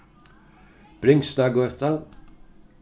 bringsnagøta